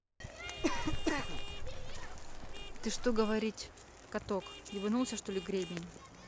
ты что говорить каток ебанулся что ли гребень